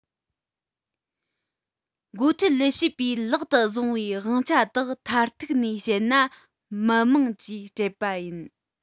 འགོ ཁྲིད ལས བྱེད པའི ལག ཏུ བཟུང བའི དབང ཆ དག མཐར གཏུགས ནས བཤད ན མི དམངས ཀྱིས སྤྲད པ ཡིན